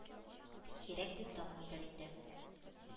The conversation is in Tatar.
Кирәк дип тапмыйдыр инде.